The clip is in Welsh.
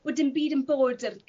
bo' dim byd yn bod yr